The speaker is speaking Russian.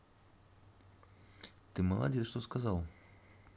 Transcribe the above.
ты молодец что сказал